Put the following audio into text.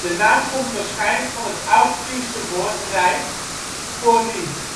naam komt waarschijnlijk van het Oudfriese woord (reid) voor riet